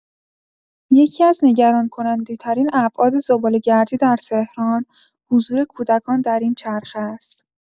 یکی‌از نگران‌کننده‌ترین ابعاد زباله‌گردی در تهران، حضور کودکان در این چرخه است.